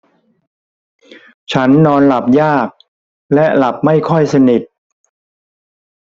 ฉันนอนหลับยากและหลับไม่ค่อยสนิท